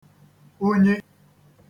unyi